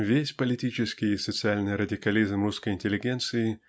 Весь политический и социальный радикализм русской интеллигенции